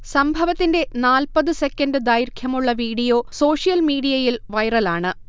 സംഭവത്തിന്റെ നാല്പ്പത് സെക്കൻഡ് ദൈർഘ്യമുള്ള വീഡിയോ സോഷ്യൽ മീഡിയയിൽ വൈറലാണ്